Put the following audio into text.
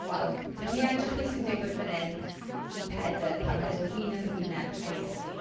Wel, wnawn ni'n edrych be sy'n digwydd fan hyn i Pedr pan ma'n dod wyneb yn wyneb â Iesu.